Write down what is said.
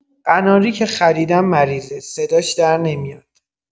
قناری که خریدم مریضه، صداش در نمیاد.